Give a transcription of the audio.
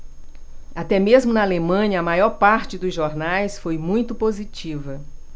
até mesmo na alemanha a maior parte dos jornais foi muito positiva